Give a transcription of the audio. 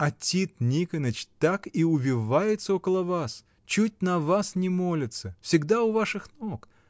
— А Тит Никоныч так и увивается около вас, чуть на вас не молится — всегда у ваших ног!